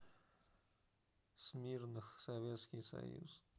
смирных советский союз